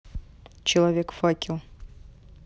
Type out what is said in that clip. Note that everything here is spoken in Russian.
человек факел